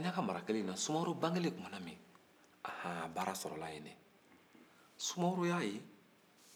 a han baara sɔrɔla yen sumaworo y'a ye